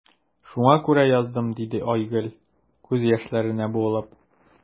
Шуңа күрә яздым,– диде Айгөл, күз яшьләренә буылып.